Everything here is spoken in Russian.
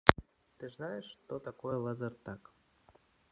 ты знаешь что такое лазертаг